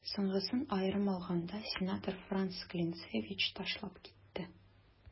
Соңгысын, аерым алганда, сенатор Франц Клинцевич ташлап китте.